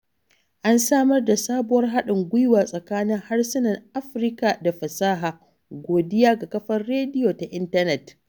An samar da sabuwar haɗin gwiwa tsakanin harsunan Afirka da fasaha, godiya ga kafar rediyo ta intanet.